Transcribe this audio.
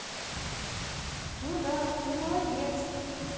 ну да ты молодец